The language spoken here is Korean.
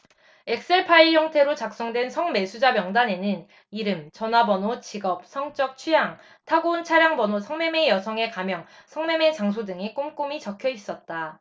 엑셀파일 형태로 작성된 성매수자 명단에는 이름 전화번호 직업 성적 취향 타고 온 차량 번호 성매매 여성의 가명 성매매 장소 등이 꼼꼼히 적혀 있었다